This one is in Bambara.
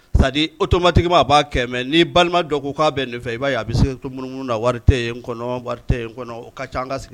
C'est à dire automatiquement a b'a kɛ mais n'i balima dɔ ko k'a bɛn nin fɛ, i b'a ye a bɛ to munumunu in kɔnɔ kɔnɔ